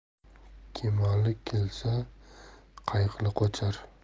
kemali kelsa qayiqli qochar